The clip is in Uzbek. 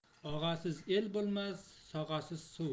og'asiz el bo'lmas sog'asiz suv